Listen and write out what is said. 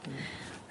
Hmm.